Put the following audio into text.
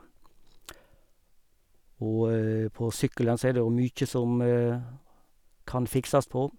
Og på sykkelen så er det jo mye som kan fikses på.